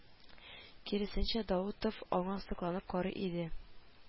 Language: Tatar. Киресенчә, Даутов аңа сокланып карый иде